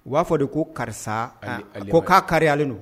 U ba fɔ de ko karisa ka kariyalen don.